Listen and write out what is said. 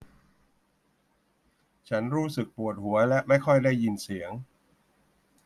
ฉันรู้สึกปวดหัวและไม่ค่อยได้ยินเสียง